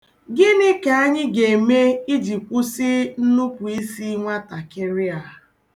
Gịnị ka anyị ga-eme iji kwụsị nnupụisi nwatakịrị a?